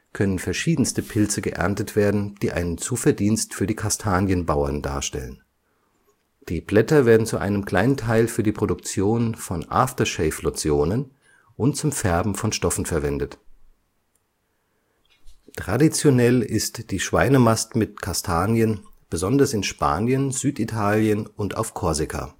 können verschiedenste Pilze geerntet werden, die einen Zuverdienst für die Kastanienbauern darstellen. Die Blätter werden zu einem kleinen Teil für die Produktion von Aftershavelotionen und zum Färben von Stoffen verwendet. Traditionell ist die Schweinemast mit Kastanien, besonders in Spanien, Süditalien und auf Korsika